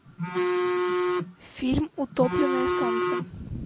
фильм утомленные солнцем